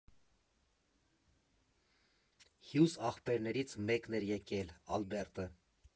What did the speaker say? Հյուզ ախպերներից մեկն էր եկել, Ալբերտը։